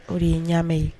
O de ye ɲamɛ ye